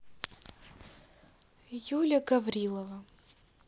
юля гаврилова